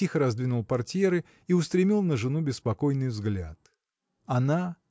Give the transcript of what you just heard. тихо раздвинул портьеры и устремил на жену беспокойный взгляд. Она.